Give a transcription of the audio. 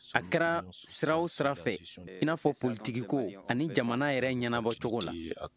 a kɛra sira o sira fɛ inafɔ politikikow ani jamana yɛrɛ ɲɛnabɔcogo la